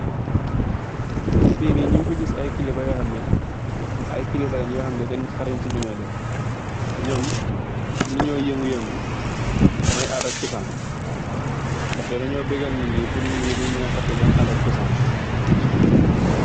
Fii nii njung fii gis aiiy kilipha yor hamneh, aiiy kilipha len yor hamneh den haarengh cii lu njui deff, teh njom lii njur yengu yengu moi adah ak chosan, ndah teh deh njur beuguel nitt njii pur nitt njii bung munah fateh sen ada ak chosan.